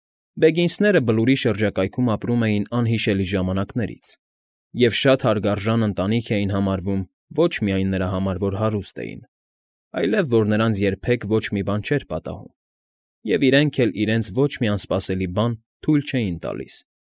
Բեգինսները Բլուրի շրջակայքում ապրում էին անհիշելի ժամանակներից և շատ հարգարժան ընտանիք էին համարվում ոչ միայն նրա համար, որ հարուստ էին, այլև, որ նրանց երբեք ոչ մի բան չէր պատահում, և իրենք էլ իրենց ոչ մի անսպասելի բան թույլ չէին տալիս.